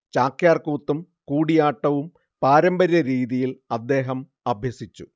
ചാക്യാർ കൂത്തും കൂടിയാട്ടവും പാരമ്പര്യ രീതിയിൽ അദ്ദേഹം അഭ്യസിച്ചു